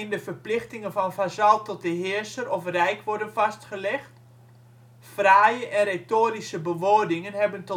de verplichtingen van vazal tot de heerser of rijk worden vastgelegd. Fraaie en retorische bewoordingen hebben